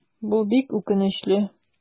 Бу бик үкенечле.